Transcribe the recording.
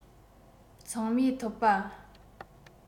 ཚང མས འཐོབ པ